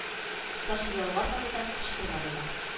Саша ялвармады да кычкырмады да